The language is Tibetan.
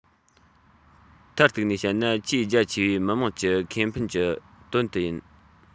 མཐར གཏུགས ནས བཤད ན ཆེས རྒྱ ཆེ བའི མི དམངས ཀྱི ཁེ ཕན གྱི དོན དུ ཡིན